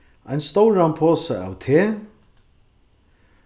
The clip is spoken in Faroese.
ein stóran posa av te